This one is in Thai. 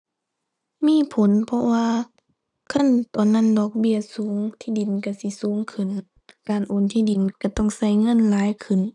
มีผลเพราะว่า คันตอนนั้นดอกเบี้ยสูงที่ดินก็สิสูงขึ้น การโอนที่ดินก็ต้องก็เงินหลายขึ้น